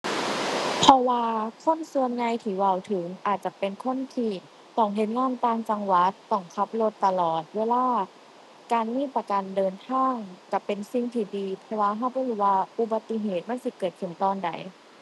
เพราะว่าคนส่วนใหญ่ที่เว้าถึงอาจจะเป็นคนที่ต้องเฮ็ดงานต่างจังหวัด ต้องขับรถตลอดเวลา การมีประกันเดินทางก็เป็นสิ่งที่ดี เพราะว่าก็บ่ก็ว่าอุบัติเหตุมันสิเกิดขึ้นตอนใด